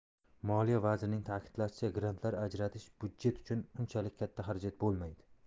moliya vazirining ta'kidlashicha grantlar ajratish budjet uchun unchalik katta xarajat bo'lmaydi